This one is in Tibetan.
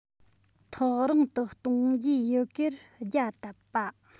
ཐག རིང དུ གཏོང རྒྱུའི ཡི གེར རྒྱ བཏབ པ